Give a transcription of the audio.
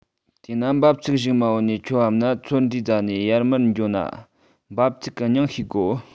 དེས ན འབབ ཚིགས གཞུག མ བོ ནས ཁྱོད བབས ན ཚོད དྲེས རྫ ནས ཡར མར ར འགྱོ ན འབབ ཚིགས གི མྱིང ཤེས དགོ